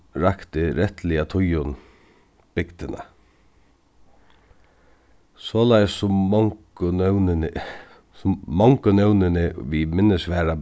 rakti rættiliga tíðum bygdina soleiðis sum mongu nøvnini sum mongu nøvnini við minnisvarða